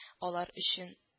Алар өчен